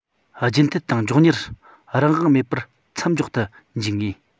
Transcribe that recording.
རྒྱུན མཐུད དང མགྱོགས མྱུར རང དབང མེད པར མཚམས འཇོག ཏུ འཇུག ངེས